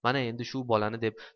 mana endi shu bolani deb